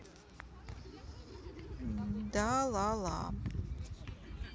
да ла ла